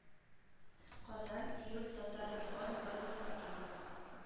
Казан июль татар-информ роза исмәгыйлова